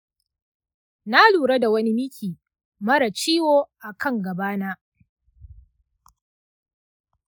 na lura da wani miki marar ciwo a kan gaba na.